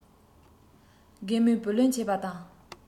རྒན མོས བུ ལོན ཆད པ དང